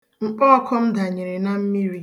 Mkpọọkụ m danyere na mmiri.